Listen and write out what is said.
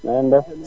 na ngeen def